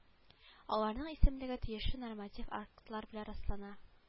Аларның исемлеге тиешле норматив актлар белән раслана